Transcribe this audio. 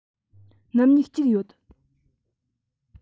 སྣུམ སྨྱུག གཅིག ཡོད